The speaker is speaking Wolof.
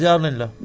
Barra Cissé